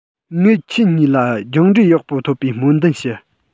ངས ཁྱེད གཉིས ལ སྦྱངས འབྲས ཡག པོ ཐོབ པའི སྨོན འདུན ཞུ